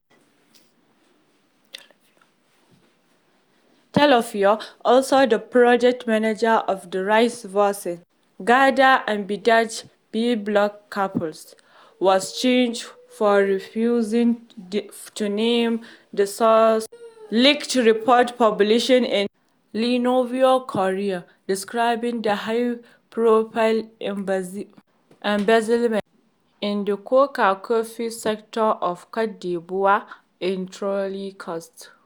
Théophile, also the project manager of the Rising Voices grantee Abidjan Blog camps, was charged for refusing to name the source of a leaked report published in Le Nouveau Courrier describing the high profile embezzlement in the cocoa-coffee sector of Côte d'Ivoire (Ivory Coast).